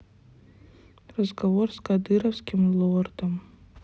разговор с кадыровским лордом